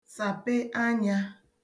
sàpe anyā